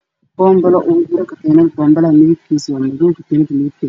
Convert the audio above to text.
Boonbilo ugu jiro katinad bonbilaha madabkisa waa madow